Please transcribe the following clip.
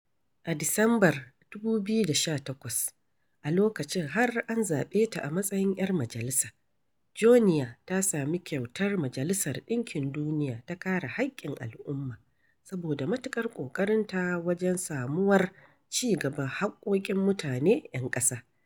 A Disambar 2018, a lokacin har an zaɓe ta a matsayin 'yar majalisa, Joenia ta sami kyautar Majalisar ɗinkin Duniya ta kare haƙƙin al'umma, saboda matuƙar ƙoƙarinta wajen samuwar cigaban haƙƙoƙin mutane 'yan ƙasa.